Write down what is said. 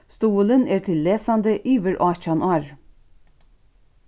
stuðulin er til lesandi yvir átjan ár